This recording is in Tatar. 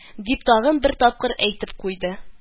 Дип тагын бер тапкыр әйтеп куйды